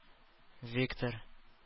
Виктор